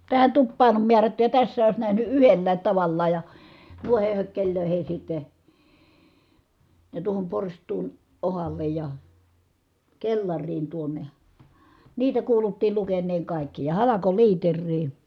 tähän tupaan on määrätty ja tässä olisi nähnyt yhdellä tavallaan ja noihin hökkeleihin sitten ja tuohon porstuaan otsalle ja kellariin tuonne ja niitä kuuluttiin lukeneen kaikki ja halkoliiteriin